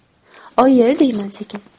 oyi deyman sekin